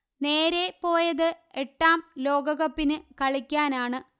നേരേ പോയത് എട്ടാം ലോക കപ്പിന് കളിക്കാനാണ്